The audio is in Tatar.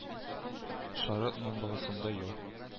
Шәрык матбагасында ел